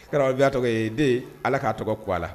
Ɔ , y'a tɔgɔ ye den allah k'a tɔgɔ ku a la